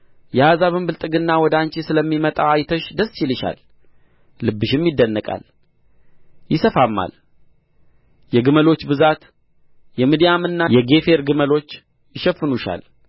የአሕዛብም ብልጥግና ወደ አንቺ ስለሚመጣ አይተሽ ደስ ይልሻል ልብሽም ይደነቃል ይሰፋማል የግመሎች ብዛት የምድያምና የጌፌር ግመሎች ይሸፍኑሻል